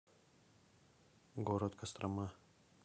город кострома